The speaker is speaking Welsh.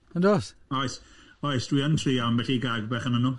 Oes, oes, dwi yn trio ambell i gag bach arnyn nhw.